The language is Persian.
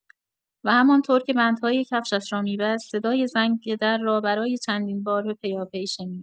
و همان طور که بندهای کفشش را می‌بست، صدای زنگ در را برای چندین بار پیاپی شنید.